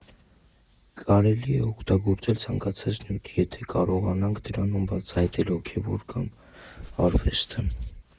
Կարելի է օգտագործել ցանկացած նյութ, եթե կարողանանք դրանում բացահայտել հոգևորը կամ արվեստը։